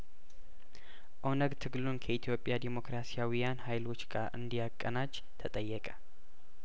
ኦነግ ትግሉን ከኢትዮጵያ ዴሞክራሲያዊያን ሀይሎች ጋር እንዲያቀናጅ ተጠየቀ